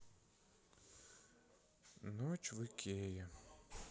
ночь в икее